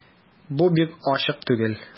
Бу бик ачык түгел...